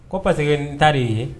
Ko parce que n ta de ye i ye